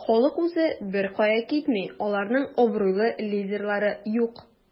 Халык үзе беркая китми, аларның абруйлы лидерлары юк.